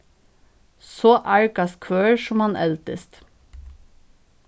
so argast hvør sum hann eldist